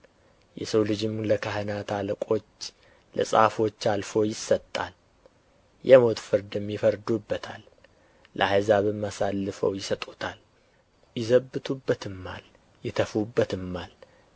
የሰው ልጅም ለካህናት አለቆችና ለጻፎች አልፎ ይሰጣል የሞት ፍርድም ይፈርዱበታል ለአሕዛብም አሳልፈው ይሰጡታል ይዘብቱበትማል ይተፉበትማል